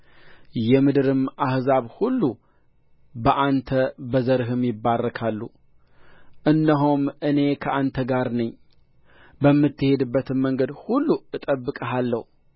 የምድርም አሕዛብ ሁሉ በአንተ በዘርህም ይባረካሉ እነሆም እኔ ከአንተ ጋር ነኝ በምትሄድባትም መንገድ ሁሉ እጠብቅሃለሁ